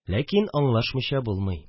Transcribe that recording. Ләкин аңлашмыйча булмый